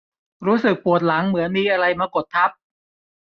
รู้สึกปวดหลังเหมือนมีอะไรมากดทับ